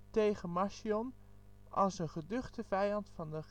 tegen Marcion) als een geduchte vijand van de